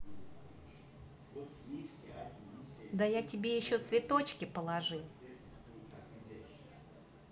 да я тебе еще цветочки положи